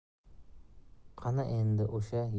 qani endi o'sha